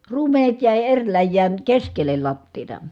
ruumenet jäi eri läjään keskelle lattiaa